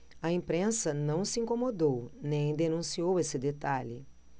a imprensa não se incomodou nem denunciou esse detalhe